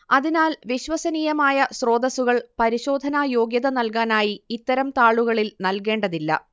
അതിനാൽ വിശ്വസനീയമായ സ്രോതസ്സുകൾ പരിശോധനാ യോഗ്യത നൽകാനായി ഇത്തരം താളുകളിൽ നൽകേണ്ടതില്ല